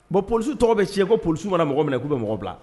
Bon polisiw tɔgɔ bɛ si polisiw mana mɔgɔ min na k'u bɛ mɔgɔ bila